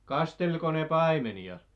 kasteliko ne paimenia